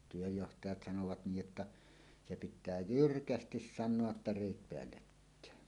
työnjohtajat sanovat niin jotta se pitää jyrkästi sanoa jotta reet päällekkäin